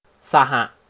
สห